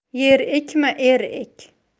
yer ekma er ek